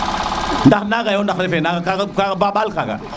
ndax naga yo ndax refe naga ka ga ba ɓaal kaga